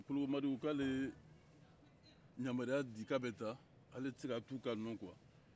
kologomadi ko ale ye yamaruya di k'a bɛ taa ale tɛ se ka tu ka nɔn kuwa